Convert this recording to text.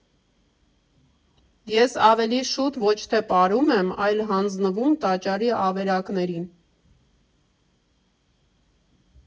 Ես ավելի շուտ ոչ թե պարում եմ, այլ հանձնվում տաճարի ավերակներին։